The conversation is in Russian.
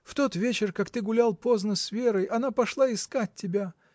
В тот вечер, как ты гулял поздно с Верой, она пошла искать тебя.